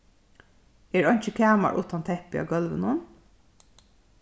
er einki kamar uttan teppi á gólvinum